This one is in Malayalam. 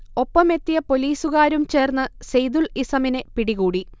ഒപ്പമെത്തിയ പൊലീസുകാരും ചേർന്ന് സെയ്തുൽ ഇസമിനെ പിടികൂടി